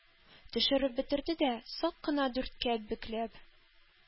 Төшереп бетерде дә, сак кына дүрткә бөкләп,